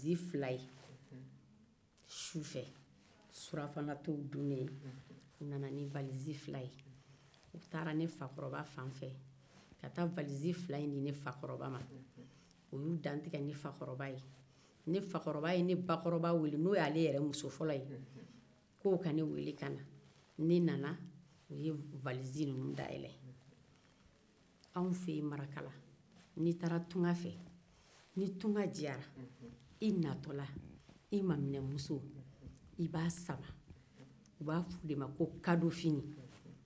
surafana dto dunnen u nara i u y'u dantigɛ ni fa kɔrɔba ye ne fakɔrɔba y'a muso fɔlɔ weele ko ka ne weele ka na ne nana u ye valizi ninnu dayɛlɛn anw fɛ maraka la n'i taara tuggan fɛ ni tugan diyara i b'i maminɛmuso sama u b'a fɔ o de ma ko kadofini